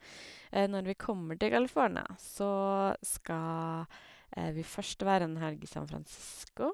Når vi kommer til California, så skal vi først være en helg i San Fransisco.